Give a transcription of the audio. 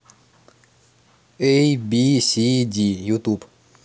эй би си ди ютуб